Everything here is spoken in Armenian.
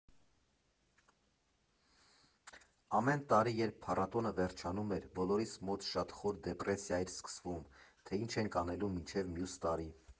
Ամեն տարի, երբ փառատոնը վերջանում էր, բոլորիս մոտ շատ խոր դեպրեսիա էր սկսվում, թե ինչ ենք անելու մինչև մյուս տարի։